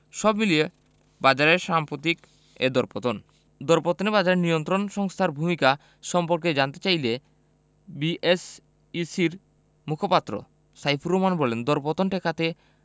সব মিলিয়ে বাজারের সাম্প্রতিক এ দরপতন দরপতনের বাজারে নিয়ন্ত্রক সংস্থার ভূমিকা সম্পর্কে জানতে চাইলে বিএসইসির মুখপাত্র সাইফুর রহমান বলেন দরপতন ঠেকাতে